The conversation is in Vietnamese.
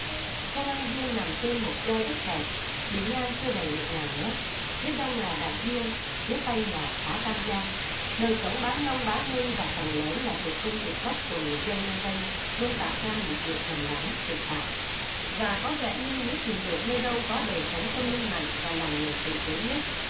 thôn an dương nằm trên một doi đất hẹp bề ngang chưa đầy một ngàn mét phía đông là đại dương phía tây là phá tam giang đời sống bán nông bán ngư và phần lớn là tự cung tự cấp của người dân nơi đây luôn tạo ra nhịp điệu trầm lắng tĩnh tại và có vẻ như nếu tìm được nơi đâu có đời sống tâm linh mạnh và lòng người tử tế nhất